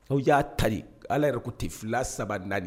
Aw y'a tali ala yɛrɛ ko ten fila saba naanili